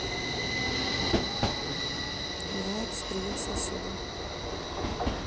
влад с привет соседом